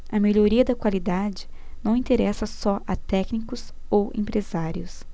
a melhoria da qualidade não interessa só a técnicos ou empresários